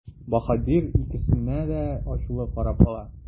Баһадир икесенә дә ачулы карап ала.